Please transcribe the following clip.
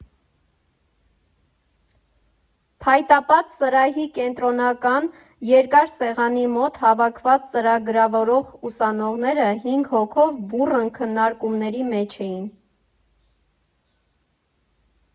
Փայտապատ սրահի կենտրոնական՝ երկար սեղանի մոտ հավաքված ծրագրավորող ուսանողները հինգ հոգով բուռն քննարկումների մեջ էին։